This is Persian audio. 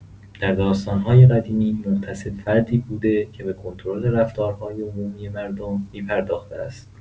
در داستان‌های قدیمی، محتسب فردی بوده که به کنترل رفتارهای عمومی مردم می‌پرداخته است.